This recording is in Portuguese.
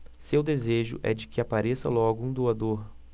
seu desejo é de que apareça logo um doador